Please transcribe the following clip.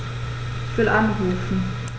Ich will anrufen.